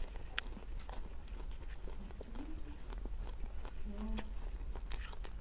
осмосис джонс